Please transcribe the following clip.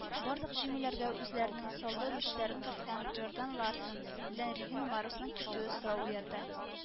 Барлык җиңүләргә үзләренең саллы өлешләрен керткән джордан ларсон белән регина морозның китүе сорау уята